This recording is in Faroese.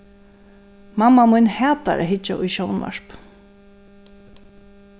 mamma mín hatar at hyggja í sjónvarp